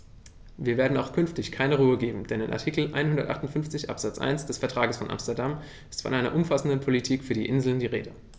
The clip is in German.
Wir werden auch künftig keine Ruhe geben, denn in Artikel 158 Absatz 1 des Vertrages von Amsterdam ist von einer umfassenden Politik für die Inseln die Rede.